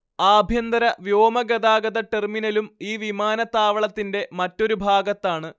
ആഭ്യന്തര വ്യോമഗതാഗത ടെർമിനലും ഈ വിമാനത്താവളത്തിന്റെ മറ്റൊരു ഭാഗത്താണ്